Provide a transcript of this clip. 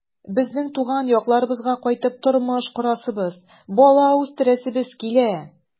Безнең туган якларыбызга кайтып тормыш корасыбыз, бала үстерәсебез килә.